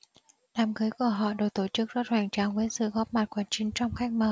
đám cưới của họ được tổ chức rất hoành tráng với sự góp mặt của chín trăm khách mời